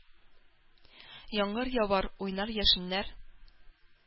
Яңгыр явар, уйнар яшеннәр,